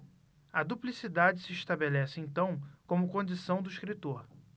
a duplicidade se estabelece então como condição do escritor